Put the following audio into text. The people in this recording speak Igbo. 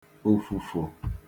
ofufo